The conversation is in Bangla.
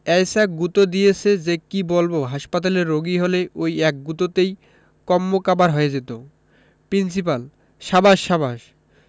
এ্যায়সা গুঁতো দিয়েছে যে কি বলব হাসপাতালের রোগী হলে ঐ এক গুঁতোতেই কন্মকাবার হয়ে যেত প্রিন্সিপাল সাবাস সাবাস